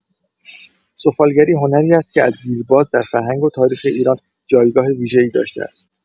سفالگری هنری است که از دیرباز در فرهنگ و تاریخ ایران جایگاه ویژه‌ای داشته است.